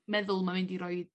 ...meddwl ma' mynd i roid